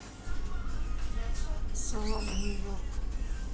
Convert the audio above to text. салам нью йорк